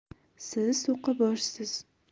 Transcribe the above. siz so'qqaboshsiz